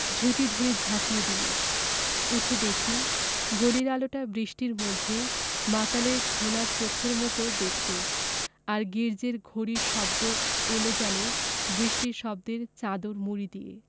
ঝুঁটি ধরে ঝাঁকিয়ে দিলে উঠে দেখি গলির আলোটা বৃষ্টির মধ্যে মাতালের ঘোলা চোখের মত দেখতে আর গির্জ্জের ঘড়ির শব্দ এল যেন বৃষ্টির শব্দের চাদর মুড়ি দিয়ে